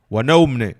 Waɛaw minɛ